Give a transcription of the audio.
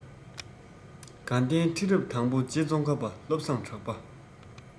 དགའ ལྡན ཁྲི རབས དང པོ རྗེ ཙོང ཁ པ བློ བཟང གྲགས པ